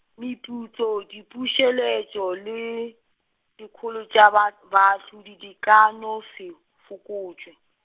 meputso, dipuseletšo le, dikholo tša ba baahlodi di ka no se, fokotšwe.